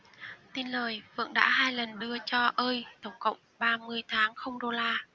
tin lời phượng đã hai lần đưa cho ơi tổng cộng ba mươi tháng không đô la